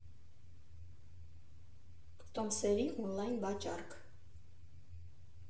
Տոմսերի օնլայն վաճառք։